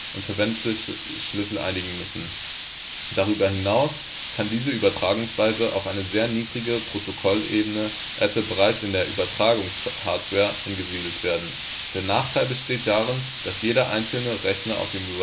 und verwendete Schlüssel einigen müssen. Darüber hinaus kann diese Übertragungsweise auf einer sehr niedrigen Protokollebene (etwa bereits in der Übertragungs-Hardware) angesiedelt werden. Der Nachteil besteht darin, dass jeder einzelne Rechner auf dem